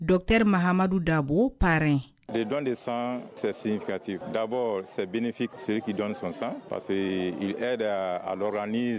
Dɔ kɛrari mahamadu dabo paɛ de dɔ de san sɛsinti dabɔ sɛb seriki dɔnni sɔn san pa que e de y' a la